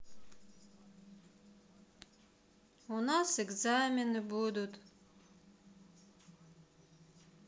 у нас экзамены будут